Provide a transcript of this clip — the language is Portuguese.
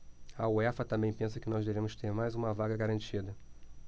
a uefa também pensa que nós devemos ter mais uma vaga garantida